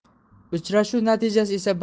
uchrashuv natijasi esa barcha